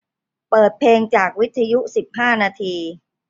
เปิดเพลงจากวิทยุสิบห้านาที